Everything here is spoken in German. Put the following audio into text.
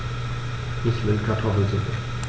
Ich will Kartoffelsuppe.